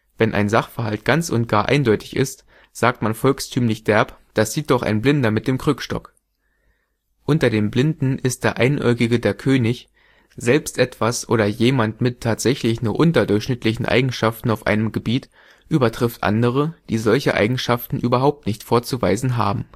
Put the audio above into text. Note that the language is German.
Wenn ein Sachverhalt ganz und gar eindeutig ist, sagt man volkstümlich derb: „ Das sieht doch ein Blinder mit dem Krückstock. “„ Unter den Blinden ist der Einäugige der König “- selbst etwas oder jemand mit tatsächlich nur unterdurchschnittlichen Eigenschaften auf einem Gebiet übertrifft andere, die solche Eigenschaften überhaupt nicht vorzuweisen haben